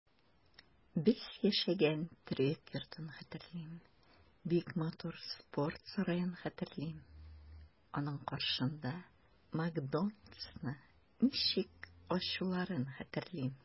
Без яшәгән төрек йортын хәтерлим, бик матур спорт сараен хәтерлим, аның каршында "Макдоналдс"ны ничек ачуларын хәтерлим.